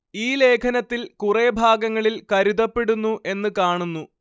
ഈ ലേഖനത്തിൽ കുറെ ഭാഗങ്ങളിൽ കരുതപ്പെടുന്നു എന്ന് കാണുന്നു